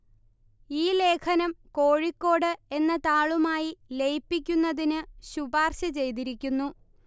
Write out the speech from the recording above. ഈ ലേഖനം കോഴിക്കോട് എന്ന താളുമായി ലയിപ്പിക്കുന്നതിന് ശുപാർശ ചെയ്തിരിക്കുന്നു